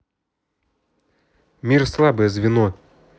мир слабое звено